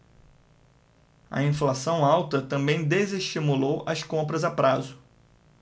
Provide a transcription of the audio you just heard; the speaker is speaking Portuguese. a inflação alta também desestimulou as compras a prazo